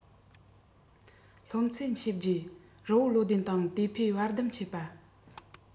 སློབ ཚན ཞེ བརྒྱད རི བོང བློ ལྡན དང དེ ཕོས བར སྡུམ བྱེད པ